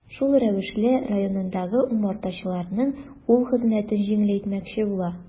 Шул рәвешле районындагы умартачыларның кул хезмәтен җиңеләйтмәкче була.